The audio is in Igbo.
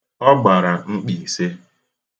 Ọ gbara mkpị ise.